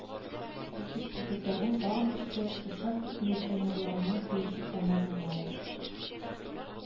Җитешсезлекләрнең тагын берсе участок милиционерларының тиешле санда булмавы